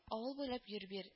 Авыл булып йөр бир